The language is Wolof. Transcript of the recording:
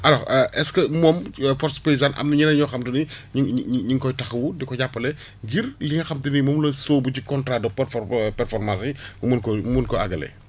alors est ce que moom force paysane am na ñeneen ñoo xam dañuy ñu ñu ñu ngi koy taxawu di ko jàppale ngir li nga xam te ni moom la sóobu ci contrat de perfor performance yi mun koy mun ko àggale